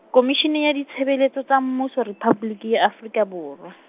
Khomishene ya Ditshebeletso tsa Mmuso, Rephaboliki ya Afrika Borwa.